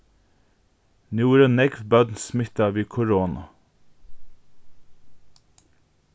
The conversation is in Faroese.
nú eru nógv børn smittað við koronu